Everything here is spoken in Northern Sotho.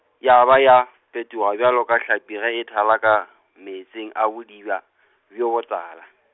ya ba ya , phetoga bjalo ka hlapi ge e thala ka, meetseng a bodiba, bjo botala .